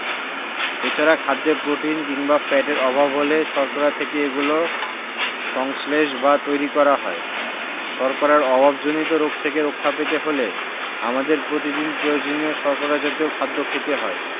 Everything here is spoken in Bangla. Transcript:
এছাড়া খাদ্যে প্রোটিন কিংবা ফ্যাটের অভাব হলে শর্করা থেকে এগুলো সংশ্লেষ বা তৈরী করা হয় শর্করার অভাবজনিত রোগ থেকে রক্ষা পেতে হলে আমাদের প্রতিদিন প্রয়োজনীয় শর্করা জাতীয় খাদ্য খেতে হয়